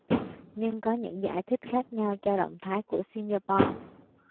nhưng có những giải thích khác nhau cho động thái của singapore